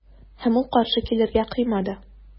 Һәм ул каршы килергә кыймады.